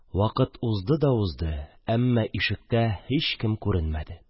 Вакыт узды да узды, әммә ишектә һичкем күренмәде.